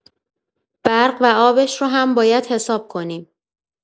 برق و آبش رو هم باید حساب کنیم.